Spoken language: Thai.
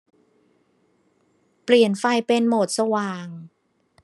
เปลี่ยนไฟเป็นโหมดสว่าง